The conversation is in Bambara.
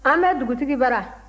an bɛ dugutigi bara